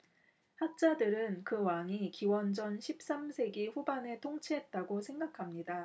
학자들은 그 왕이 기원전 십 삼 세기 후반에 통치했다고 생각합니다